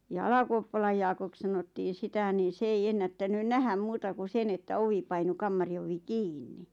ja Alakuoppalan Jaakoksi sanottiin sitä niin se ei ennättänyt nähdä muuta kuin sen että ovi painui kamarin ovi kiinni